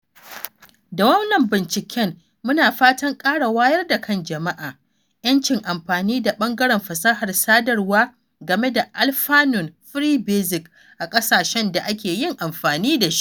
Da wannan binciken, muna fatan ƙara wayar da kan jama’a, 'yancin amfani da ɓangaren fasahar sadarwa game da alfanun Free Basics a ƙasashen da ake yin amfani da shi.